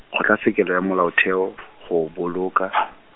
Kgotlatshekelo ya Molaotheo , go o boloka .